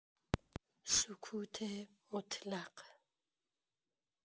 سکوت مطلق